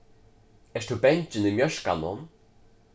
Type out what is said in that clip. ert tú bangin í mjørkanum